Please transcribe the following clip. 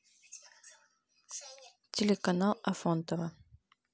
телеканал афонтово